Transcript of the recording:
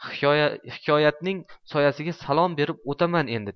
hikoyatning soyasiga salom berib o'taman endi